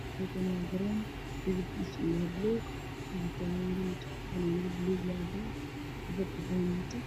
Halkaan waa garoon midabkiisu uu yahay buluug waxaa taagan wiilal wato fanaanado buluug iyo cadaan, kubad cadaan wato.